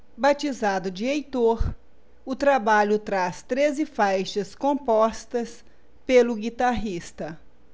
batizado de heitor o trabalho traz treze faixas compostas pelo guitarrista